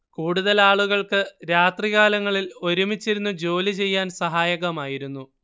കൂടുതൽ ആളുകൾക്ക് രാത്രികാലങ്ങളിൽ ഒരുമിച്ചിരുന്നു ജോലിചെയ്യാൻ സഹായകമായിരുന്നു